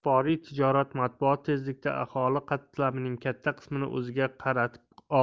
axboriy tijoriy matbuot tezlikda aholi qatlamining katta qismini o'ziga qaratib oldi